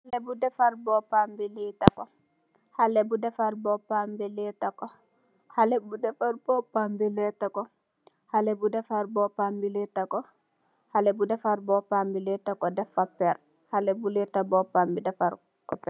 Hali bu defarr bópambi letta ko, daf pa pèr.